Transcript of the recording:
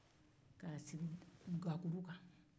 k'a sigi gakuru kan